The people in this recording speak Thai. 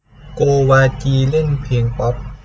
โกวาจีเล่นเพลงป๊อป